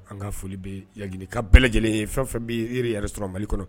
An ka foli bɛ ya ka bɛɛ lajɛlen ye fɛn fɛn bɛ e yɛrɛsɔrɔ mali kɔnɔ